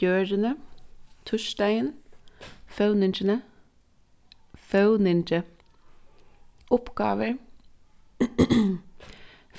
jørðini týsdagin føvningi uppgávur